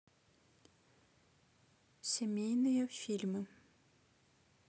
семейные фильмы